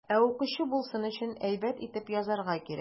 Ә укучы булсын өчен, әйбәт итеп язарга кирәк.